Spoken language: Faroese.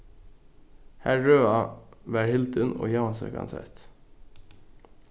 har røða varð hildin og jóansøkan sett